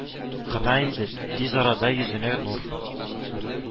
Кына иде, тиз арада йөзенә нур